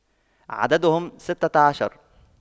عددهم ستة عشر